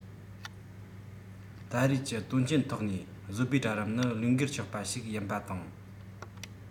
ད རེས ཀྱི དོན རྐྱེན ཐོག ནས བཟོ པའི གྲལ རིམ ནི བློས འགེལ ཆོག པ ཞིག ཡིན པ དང